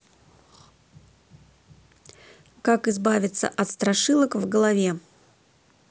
как избавиться от страшилок в голове